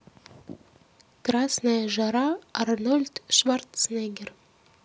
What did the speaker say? красная жара арнольд шварценеггер